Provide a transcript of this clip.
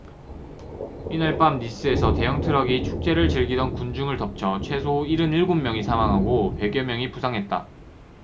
이날 밤 니스에서 대형트럭이 축제를 즐기던 군중을 덮쳐 최소 일흔 일곱 명이 사망하고 백 여 명이 부상했다